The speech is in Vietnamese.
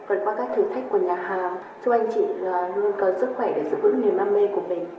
vượt qua các thử thách của nhà hàng chúc anh chị ờ luôn có sức khỏe để giữ vững niềm đâm mê của mình